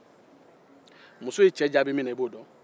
muso ye cɛ jaabi min na i b'o dɔn